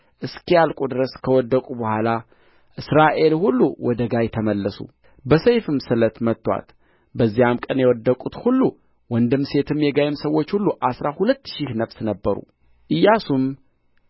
እስኪያልቁ ድረስ ከወደቁ በኋላ እስራኤል ሁሉ ወደ ጋይ ተመለሱ በሰይፍም ስለት መቱአት በዚያም ቀን የወደቁት ሁሉ ወንድም ሴትም የጋይ ሰዎች ሁሉ አሥራ ሁለት ሺህ ነፍስ ነበሩ ኢያሱም